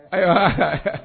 Ayiwa